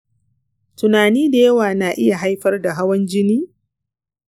tunani da yawa na iya haifar da hawan jini?